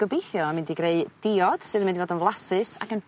gobeithio yn mynd i greu diod sydd yn mynd i fod yn flasus ac yn